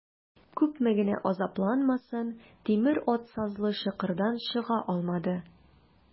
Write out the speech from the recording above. Күпме генә азапланмасын, тимер ат сазлы чокырдан чыга алмады.